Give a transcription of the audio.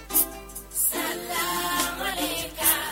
Sanunɛ san main